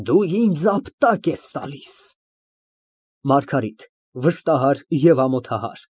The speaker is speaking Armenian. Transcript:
Դու ինձ ապտակ ես տալիս… ՄԱՐԳԱՐԻՏ ֊ (Վշտահար և ամոթահար)